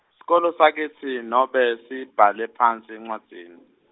sikolo sakitsi, nobe siyibhale phasi encwadzini.